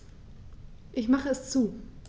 Ich mache es zu.